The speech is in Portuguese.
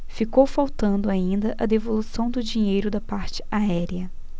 ficou faltando ainda a devolução do dinheiro da parte aérea